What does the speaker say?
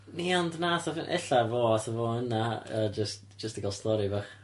Ia ond nath o fyn- ella fo ath â fo yna a jyst jyst i ga'l stori fach.